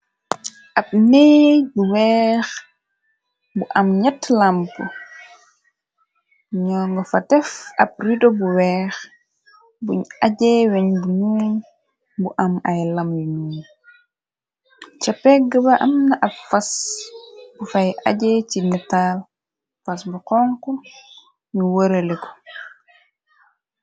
Ab neej bu weex bu am nyate lampu nugafa def ab rudo bu weex buñ ajee weñ bu nuul bu am ay lam yu nuul ca pegg ba am na ab fas bu fay ajee ci netaal fas bu xonko ñu wërale ko.